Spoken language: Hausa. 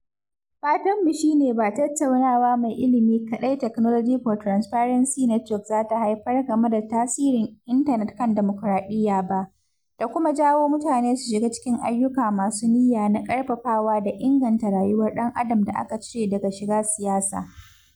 Fatanmu shi ne ba tattaunawa mai ilimi kaɗai Technology for Transparency Network za ta haifar game da tasirin Intanet kan dimokiradiyya ba, ta kuma jawo mutane su shiga cikin ayyuka masu niyya na ƙarfafawa da inganta rayuwar ɗan adam da aka cire daga shiga siyasa.